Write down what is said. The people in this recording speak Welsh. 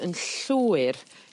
yn llwyr